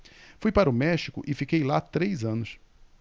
fui para o méxico e fiquei lá três anos